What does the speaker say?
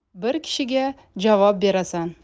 bir kishiga javob berasan